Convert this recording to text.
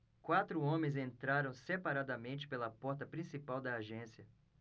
quatro homens entraram separadamente pela porta principal da agência